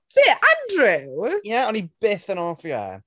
Be, Andrew? Ie, o'n i byth yn hoffi e.